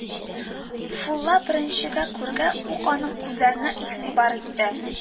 Фулла беренче күрүгә үк аның күзләренә игътибар итте